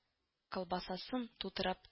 Колбасасын тутырып